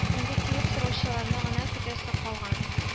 – инде килеп сораучыларны гына көтәсе калган